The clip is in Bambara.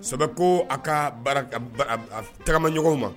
Sabubɛ ko a ka tagama ɲɔgɔn ma